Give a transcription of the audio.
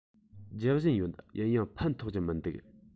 རྒྱག བཞིན ཡོད ཡིན ཡང ཕན ཐོགས ཀྱི མི འདུག